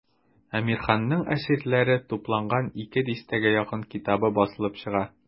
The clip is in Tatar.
Әмирханның әсәрләре тупланган ике дистәгә якын китабы басылып чыга.